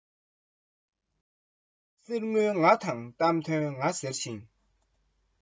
ང ང ང རྒྱལ ཟེར བའི བང རྒྱལ ཅན